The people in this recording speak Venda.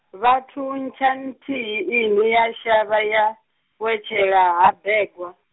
vha thuntsha nthihi inwi ya shavha ya, wetshela, Habegwa.